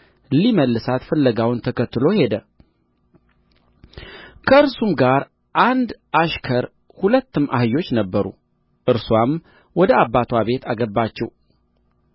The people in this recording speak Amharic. ሊመልሳት ፍለጋዋን ተከትሎ ሄደ ከእርሱም ጋር አንድ አሽከር ሁለትም አህዮች ነበሩ እርስዋም ወደ አባትዋ ቤት አገባችው